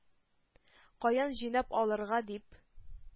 Каян җыйнап алырга? - дип,